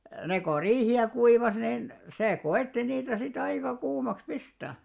ne kun riihiä kuivasi niin se koetti niitä sitten aika kuumaksi pistää